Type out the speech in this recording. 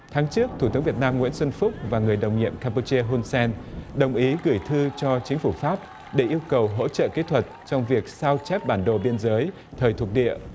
tháng trước thủ tướng việt nam nguyễn xuân phúc và người đồng nhiệm cam pu chia hun sen đồng ý gửi thư cho chính phủ pháp để yêu cầu hỗ trợ kỹ thuật trong việc sao chép bản đồ biên giới thời thuộc địa